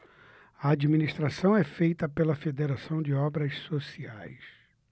a administração é feita pela fos federação de obras sociais